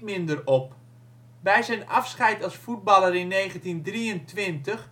minder op. Bij zijn afscheid als voetballer in 1923